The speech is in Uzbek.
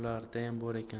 zamonlardayam bor ekan